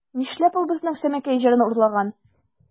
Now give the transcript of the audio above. Нишләп ул безнең Сәмәкәй җырын урлаган?